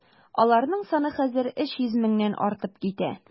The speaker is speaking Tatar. Аларның саны хәзер 300 меңнән артып китә.